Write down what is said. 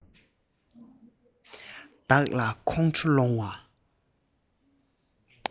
བདག ལ ཁོང ཁྲོ སློང བ